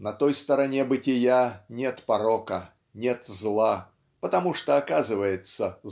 На той стороне бытия нет порока нет зла потому что оказывается